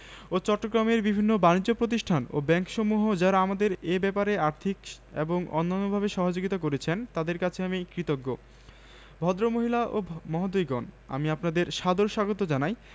ও চট্টগ্রামের বিভিন্ন বানিজ্য প্রতিষ্ঠান ও ব্যাংকসমূহ যারা আমাদের এ ব্যাপারে আর্থিক এবং অন্যান্যভাবে সহযোগিতা করেছেন তাঁদের কাছে আমি কৃতজ্ঞ ভদ্রমহিলা ও মহোদয়গণ আমি আপনাদের সাদর স্বাগত জানাই